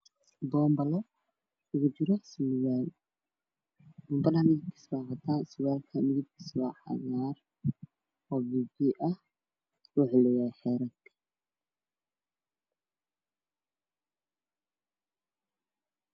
Boonbale oo ku jira surwaal boonbalaha midabkiisuna waa cadaan surwaalka midabkiisu waa cagaar biyo biyo ah wuxuu leeyahy xeerar